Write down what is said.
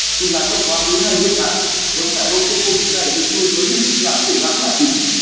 dù là trong quá khứ hay hiện tại giống gà rosecomb này được nuôi với mục đích làm triển lãm là chính